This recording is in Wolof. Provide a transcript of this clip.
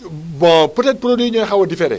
bon peut être produit yi ñooy xaw a différer